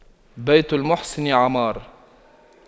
بيت المحسن عمار